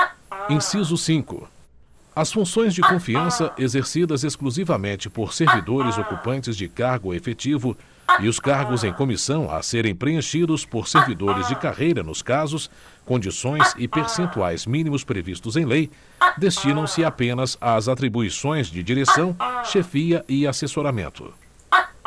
inciso cinco as funções de confiança exercidas exclusivamente por servidores ocupantes de cargo efetivo e os cargos em comissão a serem preenchidos por servidores de carreira nos casos condições e percentuais mínimos previstos em lei destinam se apenas às atribuições de direção chefia e assessoramento